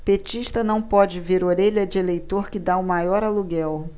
petista não pode ver orelha de eleitor que tá o maior aluguel